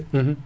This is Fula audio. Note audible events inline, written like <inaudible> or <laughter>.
<hesitation> <hesitation>